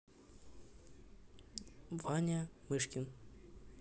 ваня мышкин